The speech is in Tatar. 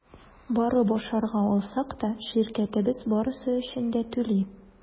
Барып ашарга алсак та – ширкәтебез барысы өчен дә түли.